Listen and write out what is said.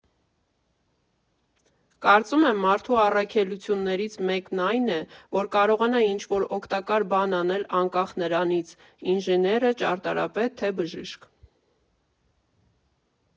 Կարծում եմ, մարդու առաքելությություններից մեկն այն է, որ կարողանա ինչ֊որ օգտակար բան անել՝ անկախ նրանից ինժեներ է, ճարտարապետ, թե բժիշկ։